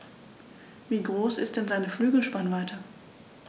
Wie groß ist denn seine Flügelspannweite?